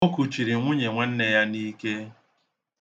O kuchiri nwunye nwanne ya n'ike.